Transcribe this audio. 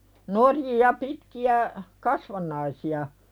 norjia pitkiä kasvannaisia